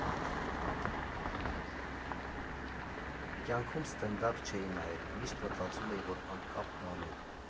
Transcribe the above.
Կյանքում ստենդափ չէի նայել, միշտ մտածում էի, որ անկապ բան է։